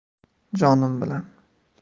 jonim bilan